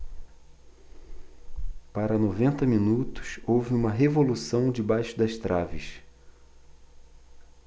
para noventa minutos houve uma revolução debaixo das traves